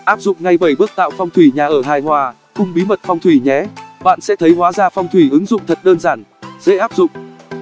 áp dụng ngay bước tạo phong thủy nhà ở hài hòa cùng bí mật phong thủy nhé bạn sẽ thấy hóa ra phong thủy ứng dụng thật đơn giản dễ áp dụng